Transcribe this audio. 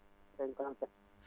57